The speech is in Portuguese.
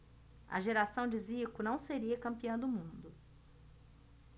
a geração de zico não seria campeã do mundo